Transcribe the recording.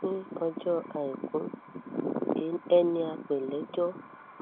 Ní ọjọ́ Àìkú, ẹniapèlẹ́jọ́